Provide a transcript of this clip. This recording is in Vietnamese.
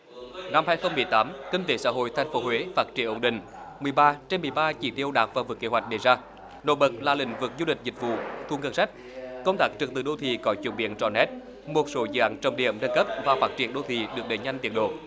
năm hai không mười tám kinh tế xã hội thành phố huế phát triển ổn định mười ba trên mười ba chỉ tiêu đạt và vượt kế hoạch đề ra nổi bật là lĩnh vực du lịch dịch vụ thu ngân sách công tác trật tự đô thị có chuyển biến rõ nét một số dự án trọng điểm nâng cấp và phát triển đô thị được đẩy nhanh tiến độ